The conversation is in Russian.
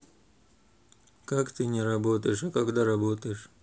как ты не работаешь а когда работаешь